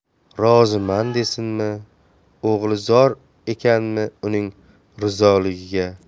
roziman desinmi o'g'li zormi ekan uning rizoligiga